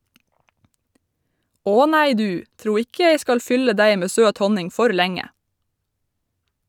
Å nei du, tro ikke jeg skal fylle deg med søt honning for lenge.